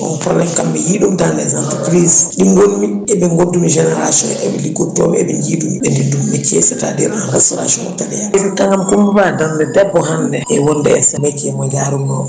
on probléme kam mi yiiɗum dans les entreprises ɗi gonmi eɓe gondumi génération eɓe liggodtomi eɓe jiidumi ɓe dendumi mecce c' est dire en restauration ɗum tagui Coumba Ba darde debbo hande e wonde e métier mo jarunomi